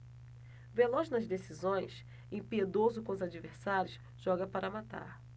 veloz nas decisões impiedoso com os adversários joga para matar